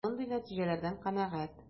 Мин мондый нәтиҗәләрдән канәгать.